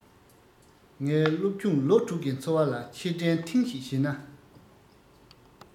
ངའི སློབ ཆུང ལོ དྲུག གི འཚོ བ ལ ཕྱིར དྲན ཐེངས ཤིག བྱས ན